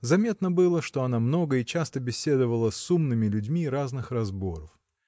заметно было, что она много и часто беседовала с умными людьми разных разборов.